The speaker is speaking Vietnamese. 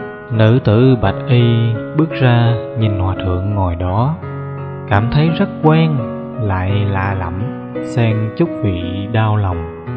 nữ tử bạch y bước ra nhìn hòa thượng ngồi đó cảm thấy rất quen lại lạ lẫm xen chút vị đau lòng